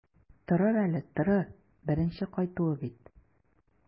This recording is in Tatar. Торыр әле, торыр, беренче кайтуы бит.